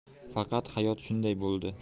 faqat hayot shunday bo'ldi